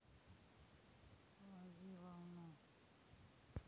лови волну